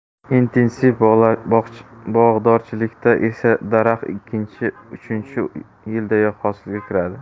intensiv bog'dorchilikda esa daraxt ikkinchi uchinchi yildayoq hosilga kiradi